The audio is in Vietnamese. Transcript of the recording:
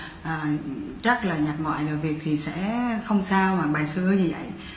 à chắc là nhạc ngoại lời việt thì sẽ không sao mà bài xưa tới như dậy